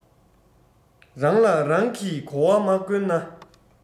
རང ལ རང གིས གོ བ མ བསྐོན ན